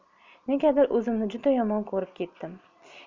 negadir o'zimni juda yomon ko'rib ketdim